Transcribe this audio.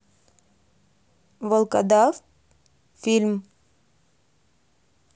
волкодав фильм